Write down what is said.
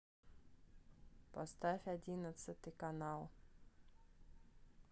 поставь одиннадцатый канал